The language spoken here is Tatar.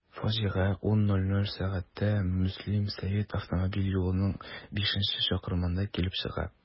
Фаҗига 10.00 сәгатьтә Мөслим–Сәет автомобиль юлының бишенче чакрымында килеп чыга.